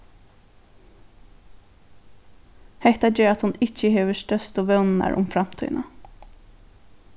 hetta ger at hon ikki hevur størstu vónirnar um framtíðina